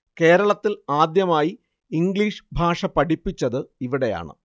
കേരളത്തിൽ ആദ്യമായി ഇംഗ്ലീഷ് ഭാഷ പഠിപ്പിച്ചത് ഇവിടെയാണ്